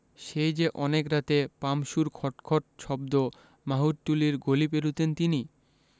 সেই যে অনেক রাতে পাম্পসুর খট খট শব্দ মাহুতটুলির গলি পেরুতেন তিনি